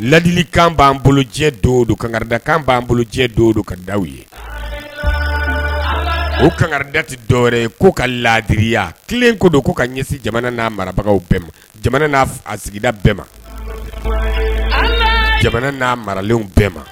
Ladili kan b'an bolojɛ don don kangada kan b'an bolojɛ do don ka da ye o kangadati dɔw ko ka laadiya tilelen ko don ko ka ɲɛsin jamana n'a marabagaw bɛɛ ma jamana na a sigida bɛɛ ma jamana n'a maralenw bɛɛ ma